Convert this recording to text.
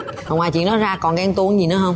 ngoài chuyện đó ra còn ghen tuông gì nữa hông